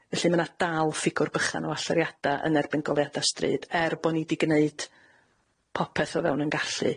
Felly ma' 'na dal ffigwr bychan o allyriada yn erbyn goleuada stryd, er bo' ni 'di gneud popeth o fewn 'yn gallu.